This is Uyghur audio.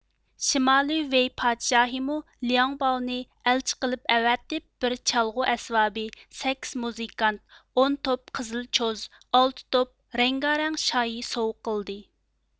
شىمالىي ۋېي پادىشاھىمۇ لياڭباۋنى ئەلچى قىلىپ ئەۋەتىپ بىر چالغۇ ئەسۋابى سەككىز مۇزىكانت ئون توپ قىزىل چوز ئالتە توپ رەڭگارەڭ شايى سوۋغا قىلدى